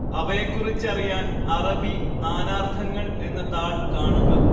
അവയെക്കുറിച്ചറിയാൻ അറബി നാനാർത്ഥങ്ങൾ എന്ന താൾ കാണുക